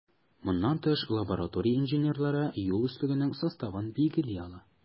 Моннан тыш, лаборатория инженерлары юл өслегенең составын билгели ала.